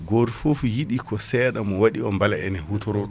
gor foof yiiɗi ko seeɗa mowaaɗi mbale ene hutoro ɗum